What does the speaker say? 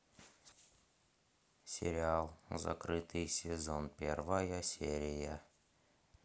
сериал закрытый сезон первая серия